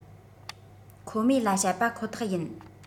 ཁོ མོས ལ བཤད པ ཁོ ཐག ཡིན